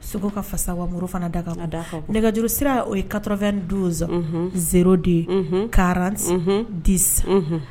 Segu ka fasa wamuru fana da kan ka da nɛgɛjuru sira o ye katoorofɛn donzɔn z de karan di